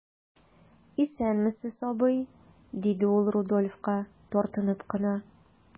Исәнмесез, абый,– диде ул Рудольфка, тартынып кына.